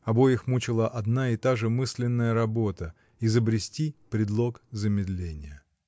Обоих мучила одна и та же мысленная работа: изобрести предлог замедления.